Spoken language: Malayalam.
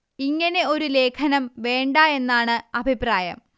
ഇങ്ങനെ ഒരു ലേഖനം വേണ്ട എന്നാണ് അഭിപ്രായം